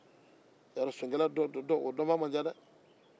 n'i bɛ yɛlɛn so kan i b'i sen de bila o kɔnɔ ka yɛlɛn